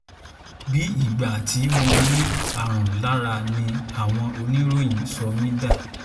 ”Bíi ìgbà tí mo ní àrùn lára ni àwọn oníròyìn sọ mí dà.”